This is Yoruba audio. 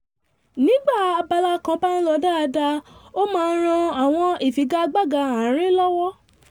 Nígbà abala kan bá ń lọ dáadáa, ó máa rán àwon ìfigagbaga ààrín lọ́wọ̀.